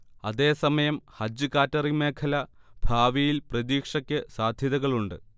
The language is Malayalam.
അതേസമയം ഹജജ് കാറ്ററിംഗ് മേഖല ഭാവിയിൽ പ്രതീക്ഷക്ക് സാധ്യതകളുണ്ട്